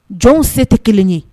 Jɔnw se tɛ kelen ye.